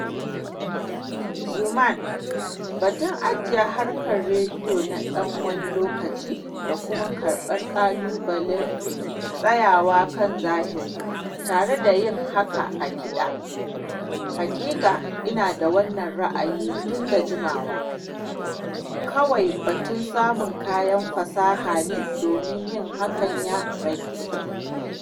Xuman: Batun ajiye harkar rediyo na ɗan wani lokaci da kuma karɓar ƙalubalen tsayawa kan zahiri, tare da yin hakan a kiɗi... haƙiƙa ina da wannan ra'ayin tun da jimawa, kawai batun samun kayan fasaha ne domin yin hakan ya rage.